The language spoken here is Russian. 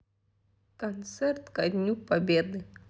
концерт ко дню победы